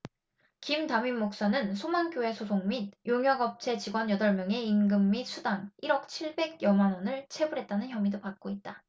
김 담임목사는 소망교회 소속 및 용역업체 직원 여덟 명의 임금 및 수당 일 억 칠백 여만원을 체불했다는 혐의도 받고 있다